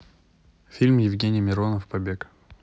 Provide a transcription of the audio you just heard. фильм евгений миронов побег